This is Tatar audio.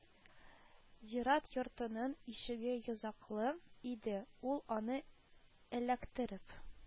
Зират йортының ишеге йозаклы иде, ул аны эләктереп